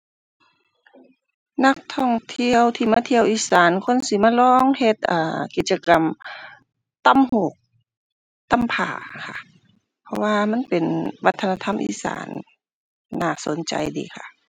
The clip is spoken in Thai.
นักท่องเที่ยวที่มาเที่ยวอีสานควรสิมาลองเฮ็ด เอ่อ กิจกรรมต่ำหูก ต่ำผ้า อะค่ะ เพราะว่ามันเป็นวัฒนธรรมอีสาน น่าสนใจดีค่ะ